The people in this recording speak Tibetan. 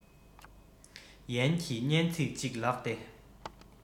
ཡན གྱི སྙན ཚིག ཅིག ལགས ཏེ